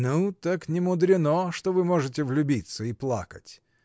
— Ну так немудрено, что вы можете влюбиться и плакать.